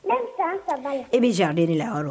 E bɛ jan den la yɔrɔ